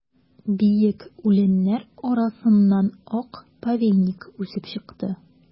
Биек үләннәр арасыннан ак повейник үсеп чыкты.